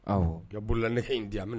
Ɔ g bolola ne in di yan minɛ